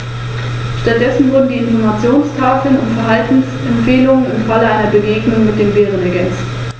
Langfristig sollen wieder jene Zustände erreicht werden, wie sie vor dem Eintreffen des Menschen vor rund 5000 Jahren überall geherrscht haben.